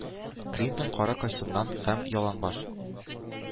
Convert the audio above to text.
Клинтон кара костюмнан һәм яланбаш,